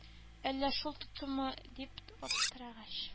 Әллә шул тоттымы дим аптырагач